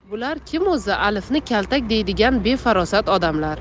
bular kim o'zi alifni kaltak deydigan befarosat odamlar